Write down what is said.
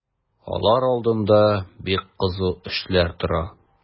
Алар алдында бик кызу эшләр тора.